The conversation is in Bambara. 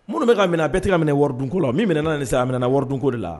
Minnu bɛ ka minɛ a bɛɛ taga minɛ waridko la min minɛ nin se a minɛ waridkolo de la